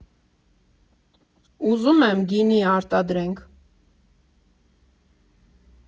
Ուզում եմ գինի արտադրենք։